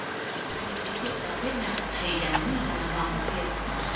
người giới thiệu và kết nạp thầy đán là hoàng quốc việt